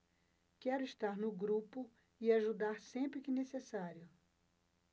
quero estar no grupo e ajudar sempre que necessário